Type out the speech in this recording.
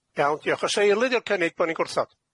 Iawn diolch. O's' e eilydd i'r cynnig bo' ni'n gwrthod?